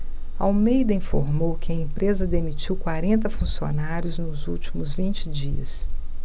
almeida informou que a empresa demitiu quarenta funcionários nos últimos vinte dias